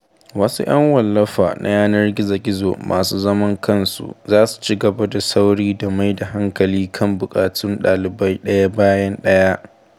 Wasu ƴan wallafa na yanar gizo-gizo masu zaman kansu suna ci gaba da sauri da mai da hankali kan bukatun ɗalibai ɗaya bayan ɗaya.